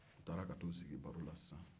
u taara ka t'u sigi baro la sisan